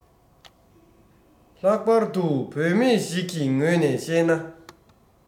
ལྷག པར དུ བུད མེད ཞིག གི ངོས ནས གཤས ན